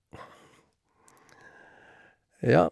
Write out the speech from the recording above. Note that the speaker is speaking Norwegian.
Ja.